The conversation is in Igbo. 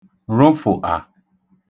rụfụ̀tà